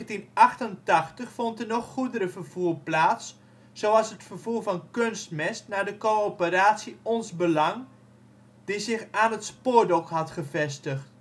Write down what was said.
1988 vond er nog goederenvervoer plaats zoals het vervoer van kunstmest naar de Coöperatie Ons Belang die zich aan het spoordok had gevestigd